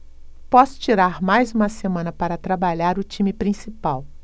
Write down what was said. posso tirar mais uma semana para trabalhar o time principal